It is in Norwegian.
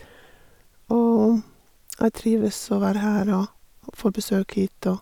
Og jeg trives å være her og og får besøk hit og...